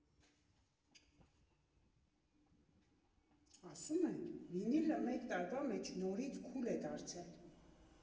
Ասում է՝ վինիլը մեկ տարվա մեջ նորից քուլ է դարձել։